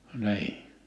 niin